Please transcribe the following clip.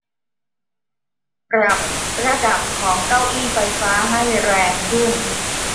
ปรับระดับของเก้าอี้ไฟฟ้าให้แรงขึ้น